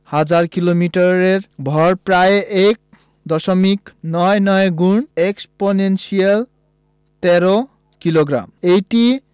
হাজার কিলোমিটার এবং ভর প্রায় এক দশমিক নয় নয় গুন এক্সপনেনশিয়াল ১৩ কিলোগ্রাম এটি